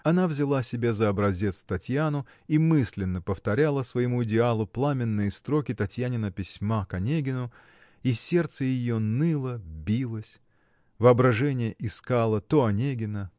Она взяла себе за образец Татьяну и мысленно повторяла своему идеалу пламенные строки Татьянина письма к Онегину и сердце ее ныло билось. Воображение искало то Онегина